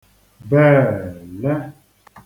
Bèele